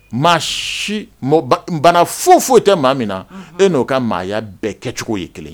Maa si . Bana foyi foyi tɛ maa min na e no ka maaya bɛɛ kɛcogo ye kelen ye